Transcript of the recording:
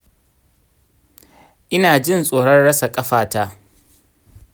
ina jin tsoron rasa ƙafata.